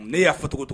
Ne y'a fa tɔgɔcogo